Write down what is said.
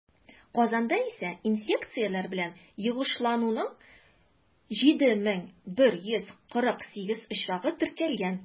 Казанда исә инфекцияләр белән йогышлануның 7148 очрагы теркәлгән.